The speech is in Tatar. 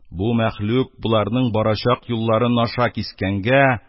Бу мәхлук боларның барачак юлларын аша кискәнгә,